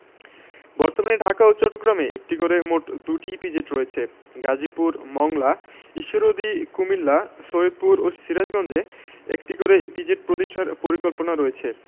বর্তমানে ঢাকা ও চট্টগ্রামে একটি করে মোট ২টি ইপিজেড রয়েছে গাজীপুর মংলা ঈশ্বরদী কুমিল্লা সৈয়দপুর ও সিরাজগঞ্জে একটি করে ইপিজেড প্রতিষ্ঠার পরিকল্পনা রয়েছে